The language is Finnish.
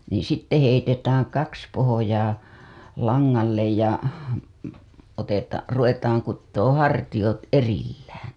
niin sitten heitetään kaksi pohjaa langalle ja - ruvetaan kutomaan hartiat erillään